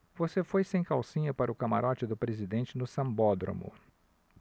você foi sem calcinha para o camarote do presidente no sambódromo